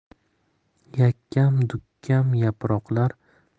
yakkam dukkam yaproqlar